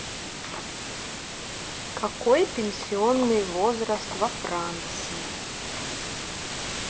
какой пенсионный возраст во франции